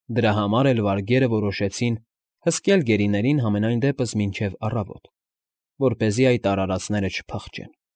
Դրա համար էլ վարգերը որոշեցին հսկել գերիներին համենայն դեպս մինչև առավոտ, որպեսզի այդ արարածները չփախչեն։